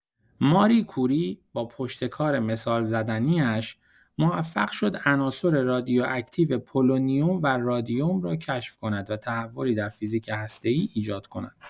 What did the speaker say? ماری کوری، با پشتکار مثال‌زدنی‌اش، موفق شد عناصر رادیواکتیو پولونیوم و رادیم را کشف کند و تحولی در فیزیک هسته‌ای ایجاد کند.